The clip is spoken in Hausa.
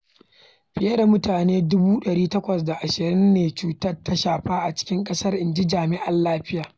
Fiye da mutane 820,000 ne cutar ta shafa a cikin ƙasar, inji jami'an lafiya.